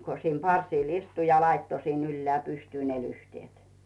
kun siinä parsilla istui ja laittoi sinne ylös pystyyn ne lyhteet